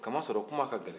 kamasɔrɔ kuma ka gɛlɛn